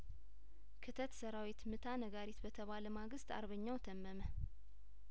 ክተት ሰራዊትም ታነጋሪት በተባለ ማግስት አርበኛው ተመመ